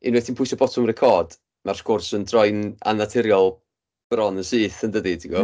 Unwaith ti'n pwyso botwm record, ma'r sgwrs yn troi'n annaturiol bron yn syth yn dydy ti gwbod.